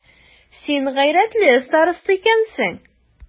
Син гайрәтле староста икәнсең.